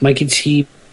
mae gen ti